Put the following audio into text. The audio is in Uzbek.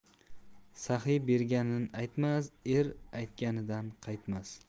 saxiy berganini aytmas er aytganidan qaytmas